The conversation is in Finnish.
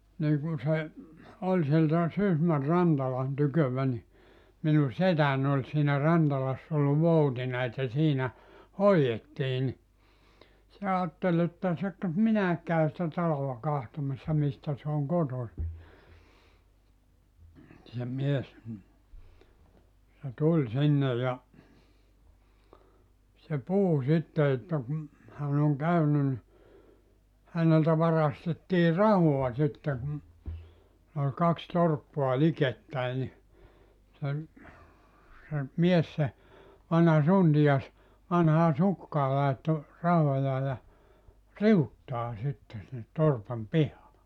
niin kun se oli sieltä Sysmän Rantalan tyköä niin minun setäni oli siinä Rantalassa oli voutina että siinä hoidettiin niin se ajatteli että se - minäkin käyn sitä talolla katsomassa mistä se on kotoisin se mies mm se tuli sinne ja se puhui sitten että kun hän on käynyt niin häneltä varastettiin rahaa sitten kun oli kaksi torppaa likettäin niin sen se mies se vanha suntio vanhaan sukkaan laittoi rahojaan ja riuttaan sitten sinne torpan pihaan